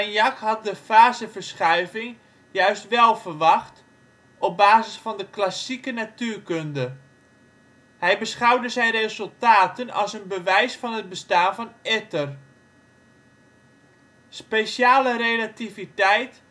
had de faseverschuiving juist wel verwacht, op basis van de klassieke natuurkunde. Hij beschouwde zijn resultaten als een bewijs van het bestaan van ether. Speciale relativiteit